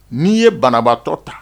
N'i ye banabaatɔ ta